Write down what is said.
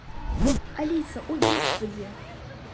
алиса ой господи